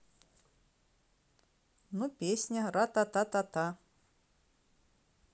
ну песня ратататата